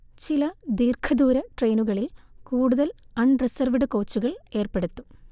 ചില ദീർഘദൂര ട്രെയിനുകളിൽ കൂടുതൽ അൺ റിസർവ്ഡ് കോച്ചുകൾ ഏർപ്പെടുത്തും